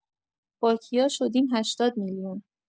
با کیا شدیم ۸۰ میلیون